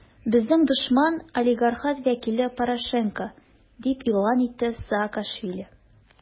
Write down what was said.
Безнең дошман - олигархат вәкиле Порошенко, - дип игълан итте Саакашвили.